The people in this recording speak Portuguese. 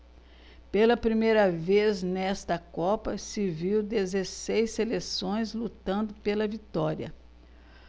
pela primeira vez nesta copa se viu dezesseis seleções lutando pela vitória